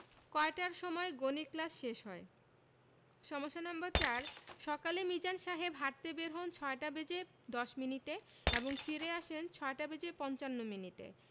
কয়টার সময় গণিত ক্লাস শেষ হয় সমস্যা নম্বর ৪ সকালে মিজান সাহেব হাঁটতে বের হন ৬টা বেজে ১০ মিনিটে এবং ফিরে আসেন ৬টা বেজে পঞ্চান্ন মিনিটে